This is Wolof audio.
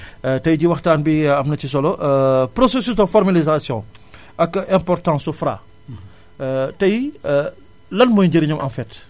tay jii waxtaan bi am na ci solo processus de formalisation ak importance su Fra tay lan mooy njariñam en fait